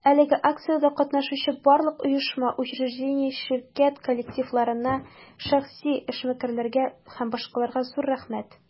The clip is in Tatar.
Әлеге акциядә катнашучы барлык оешма, учреждение, ширкәт коллективларына, шәхси эшмәкәрләргә һ.б. зур рәхмәт!